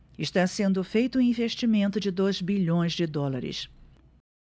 está sendo feito um investimento de dois bilhões de dólares